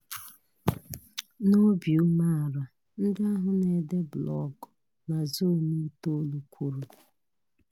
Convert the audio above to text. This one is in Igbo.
N'obi umeala, ndị ahụ na-ede blọọgụ na Zone9 kwuru: